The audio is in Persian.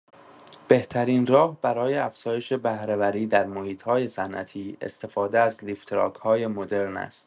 بهترین راه برای افزایش بهره‌وری در محیط‌های صنعتی، استفاده از لیفتراک‌های مدرن است.